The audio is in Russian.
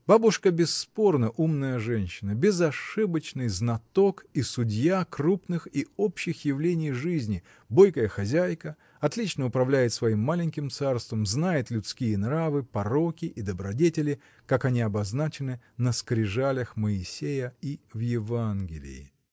Бабушка, бесспорно умная женщина, безошибочный знаток и судья крупных и общих явлений жизни, бойкая хозяйка, отлично управляет своим маленьким царством, знает людские нравы, пороки и добродетели, как они обозначены на скрижалях Моисея и в Евангелии.